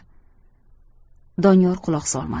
doniyor quloq solmadi